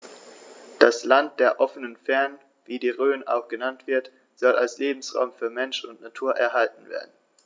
Das „Land der offenen Fernen“, wie die Rhön auch genannt wird, soll als Lebensraum für Mensch und Natur erhalten werden.